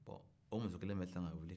o muso kelen bɛ tila ka na tuguni